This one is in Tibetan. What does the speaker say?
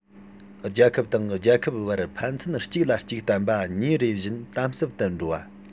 རྒྱལ ཁབ དང རྒྱལ ཁབ བར ཕན ཚུན གཅིག ལ གཅིག བརྟེན པ ཉིན རེ བཞིན དམ ཟབ ཏུ འགྲོ བ